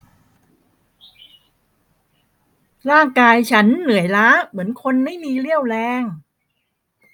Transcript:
ร่างกายฉันเหนื่อยล้าเหมือนคนไม่มีเรี่ยวแรง